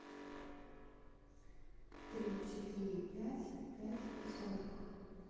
три четыре пять пять сорок